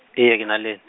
eya ke na le.